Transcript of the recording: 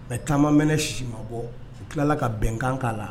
Mais ta ma mɛnɛ sisi ma bɔ, u tilala ka bɛnkan k'a la.